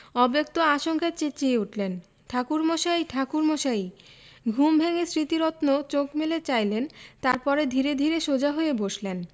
অব্যক্ত আশঙ্কায় চেঁচিয়ে উঠলেন ঠাকুরমশাই ঠাকুরমশাই ঘুম ভেঙ্গে স্মৃতিরত্ন চোখ মেলে চাইলেন তার পরে ধীরে ধীরে সোজা হয়ে বসলেন